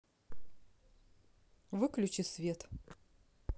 выключи свет